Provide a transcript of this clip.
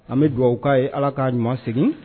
An bɛ dugawuwababu ka ye ala k'a ɲuman segin